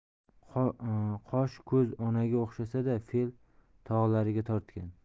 qosh ko'z onaga o'xshasa da fe'l tog'alariga tortgan